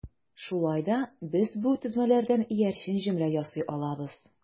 Шулай да без бу төзелмәләрдән иярчен җөмлә ясый алабыз.